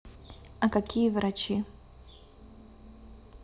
а какие врачи